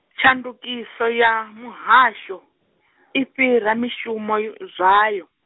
tshandukiso ya, muhasho, i fhira mishumo zwayo.